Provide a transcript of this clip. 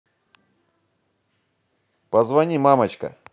позвони мамочка